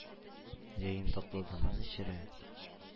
Җәен татлы дымын эчерә